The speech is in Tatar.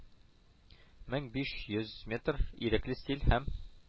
Мең биш йөз метр, ирекле стиль һәм